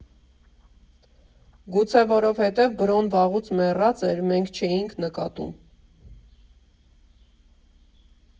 Գուցե որովհետև Բրոն վաղուց մեռած էր, մենք չէինք նկատում։